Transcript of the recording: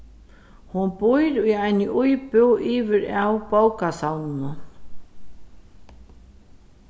hon býr í eini íbúð yvir av bókasavninum